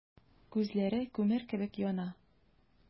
Күзләре күмер кебек яна.